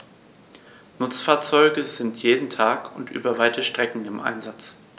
Nutzfahrzeuge sind jeden Tag und über weite Strecken im Einsatz.